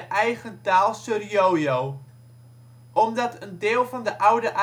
eigen taal Suryoyo). Omdat een deel van de oude